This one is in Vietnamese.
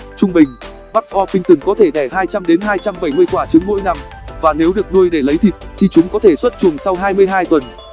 trung bình buff orpington có thể đẻ đến quả trứng mỗi năm và nếu được nuôi để lấy thịt thì chúng có thể xuất chuồng sau tuần